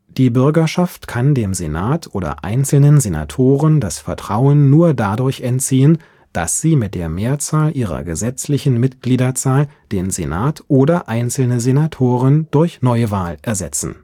Die Bürgerschaft kann dem Senat oder einzelnen Senatoren das Vertrauen nur dadurch entziehen, dass sie mit der Mehrzahl ihrer gesetzlichen Mitgliederzahl den Senat oder einzelne Senatoren durch Neuwahl ersetzen